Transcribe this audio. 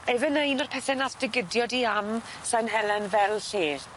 Efe 'ny un o'r pethe nath dy gydio di am San Helen fel lle?